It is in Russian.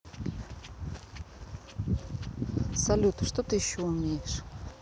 салют что ты еще умеешь